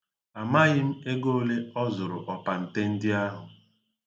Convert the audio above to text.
Amaghị m ego ole ọ zụrụ ọpante ndị ahụ.